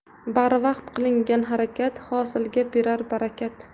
barvaqt qilingan harakat hosilga berar barakat